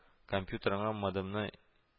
Компьютереңа модемны